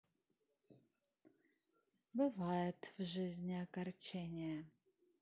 бывает в жизни огорчения